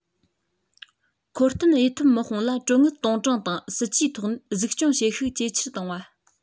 མཁོ བསྟུན གཡུལ འཐབ དམག དཔུང ལ གྲོན དངུལ གཏོང གྲངས དང སྲིད ཇུས ཐོག ནས གཟིགས སྐྱོང བྱེད ཤུགས ཇེ ཆེར བཏང བ